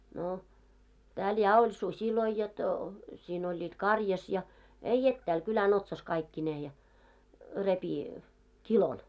no täällä ja oli susia jotta siinä olivat karjassa ja ei etäällä kylän otsassa kaikkineen ja repi kilon